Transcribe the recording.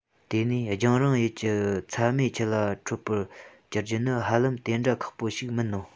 དེ ནས རྒྱང རིང ཡུལ གྱི ཚྭ མེད ཆུ ལ འཕྲོད པར འགྱུར རྒྱུ ནི ཧ ལམ དེ འདྲ ཁག པོ ཞིག མིན ནོ